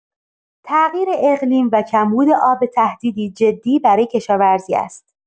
تغییر اقلیم و کمبود آب تهدیدی جدی برای کشاورزی است.